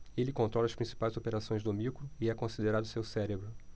ele controla as principais operações do micro e é considerado seu cérebro